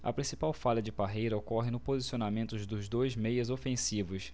a principal falha de parreira ocorre no posicionamento dos dois meias ofensivos